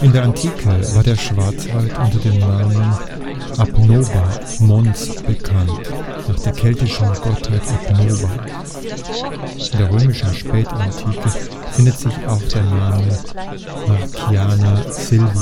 der Antike war der Schwarzwald unter dem Namen Abnoba mons bekannt, nach der keltischen Gottheit Abnoba. In der römischen Spätantike findet sich auch der Name Marciana Silva